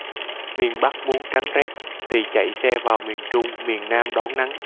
miền bắc muốn tránh rét thì chạy xe vào miền trung miền nam đón nắng